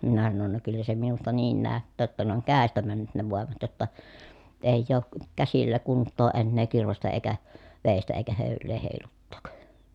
minä sanoin no kyllä se minusta niin näyttää että ne on kädestä mennyt ne voimat jotta ei ole käsillä kuntoa enää kirvestä eikä veistä eikä höylää heiluttaa